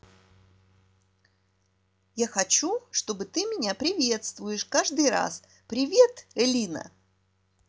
я хочу чтобы ты меня приветствуешь каждый раз привет элина